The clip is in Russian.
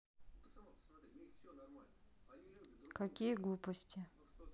какие глупости